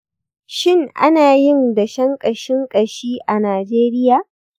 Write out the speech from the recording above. shin ana yin dashen ƙashin ƙashi a najeriya?